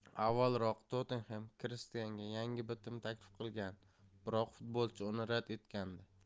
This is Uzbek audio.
avvalroq tottenhem kristianga yangi bitim taklif qilgan biroq futbolchi uni rad etgandi